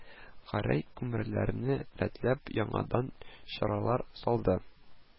Гәрәй күмерләрне рәтләп, яңадан чыралар салды